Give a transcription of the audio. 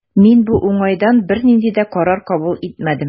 Мин бу уңайдан бернинди карар да кабул итмәдем.